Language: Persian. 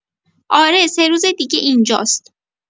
آره، سه روز دیگه اینجاست.